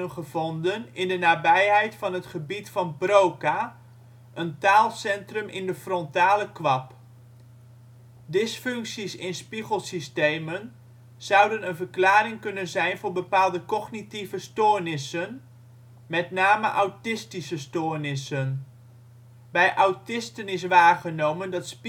gevonden in de nabijheid van het gebied van Broca, een taalcentrum in de frontale kwab). Dysfuncties in spiegelsystemen zouden een verklaring kunnen zijn voor bepaalde cognitieve stoornissen, met name autistische stoornissen. Bij autisten is waargenomen dat